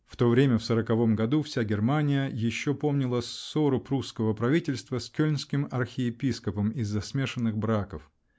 (В то время, в сороковом году, вся Германия еще помнила ссору прусского правительства с кельнским архиепископом из-за смешанных браков.